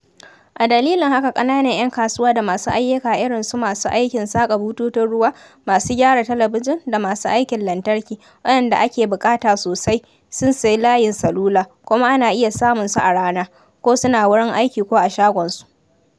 A dalilin haka ƙananan 'yan kasuwa da masu ayyuka irin su masu aikin saka bututun ruwa, masu gyara talabijin, da masu aikin lantarki (waɗanda ake buƙata sosai) sun sayi layin salula, kuma ana iya samun su a rana, ko suna wurin aiki ko a shagonsu.